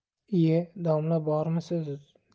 iye domla bormisiz